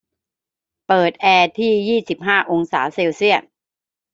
เปิดที่แอร์ยี่สิบห้าองศาเซลเซียส